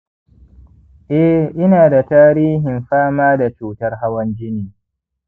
eh, ina da tarihin fama da cutar hawan jini